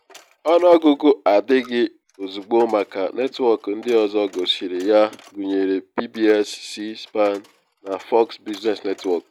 Ọnụọgụgụ adịghị ozugbo maka netwọk ndị ọzọ gosiri ya, gụnyere PBS, C-SPAN na Fox Business Network.